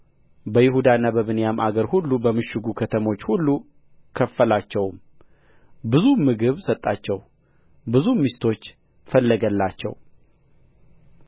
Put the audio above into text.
በይሁዳና በብንያም አገር ሁሉ በምሽጉ ከተሞች ሁሉ ከፋፈላቸው ብዙም ምግብ ሰጣቸው ብዙም ሚስቶች ፈለገላቸው